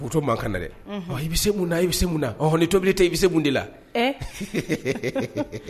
K'u to mankan na dɛ. Unhun. Wa i bɛ se munna,, i bɛ se munna, ɔnhɔn ni tobili tɛ i bɛ se mun de la. Ɛ. .